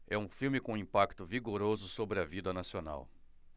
é um filme com um impacto vigoroso sobre a vida nacional